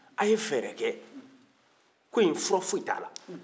a ye fɛɛrɛ kɛ ko in fura foyi t'a la